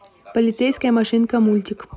полицейская машинка мультик